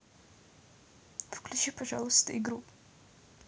включите пожалуйста игру